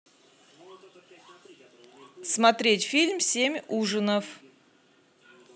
смотреть фильм семь ужинов